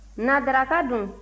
na daraka dun